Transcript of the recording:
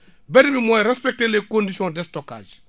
beneen bi mooy respecter les conditions de stockage